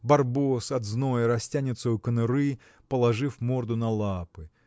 Барбос от зноя растянется у конуры, положив морду на лапы.